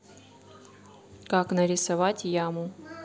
как нарисовать яму